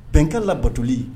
Bɛnka la batli